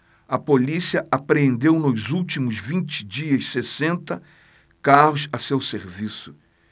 a polícia apreendeu nos últimos vinte dias sessenta carros a seu serviço